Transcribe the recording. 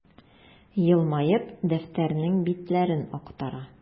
Елмаеп, дәфтәрнең битләрен актара.